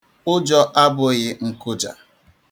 Ụjọ abụghị nkụja.